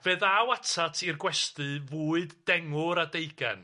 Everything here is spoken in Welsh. Fe ddaw atat i'r gwesty fwyd dengwr a deugan.